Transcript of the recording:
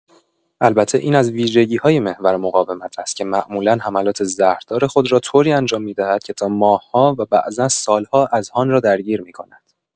البته این از ویژگی‌های محور مقاومت است که معمولا حملات زهردار خود را طوری انجام می‌دهد که تا ماه‌ها و بعضا سال‌ها اذهان را درگیر می‌کند.